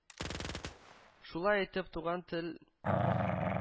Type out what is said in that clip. Шулай итеп туган тел